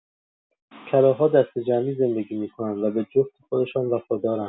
کلاغ‌ها دسته‌جمعی زندگی می‌کنند و به جفت خودشان وفادارند.